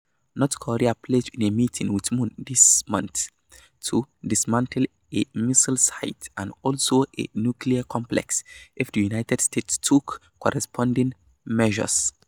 North Korea pledged in a meeting with Moon this month to dismantle a missile site and also a nuclear complex if the United States took "corresponding measures."